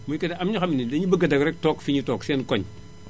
muy que ne am na ñoo xam ne dañu bëgg a daw rekk toog fi ñu toog seen koñ